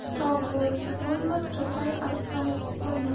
tog' bo'risiz bo'lmas to'qay arslonsiz bo'lmas